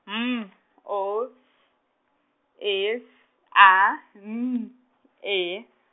M O S E S A N E.